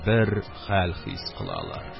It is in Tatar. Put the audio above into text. Бер хәл хис кылалар.